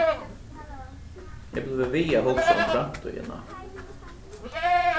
eg blívi við at hugsa um framtíðina